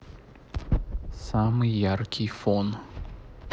самый яркий фон